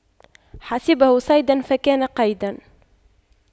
حسبه صيدا فكان قيدا